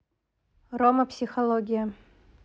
рома психология